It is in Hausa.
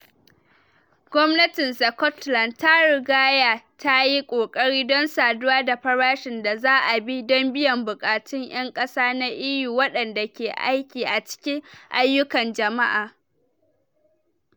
Gwamnatin Scotland ta rigaya ta yi ƙoƙari don saduwa da farashin da za a bi don biyan bukatun 'yan ƙasa na EU waɗanda ke aiki a cikin ayyukan jama'a.